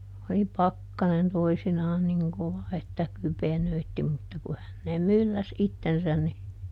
oli pakkanen toisinaan niin kova että kypenöitsi mutta kun häneen mylläsi itsensä niin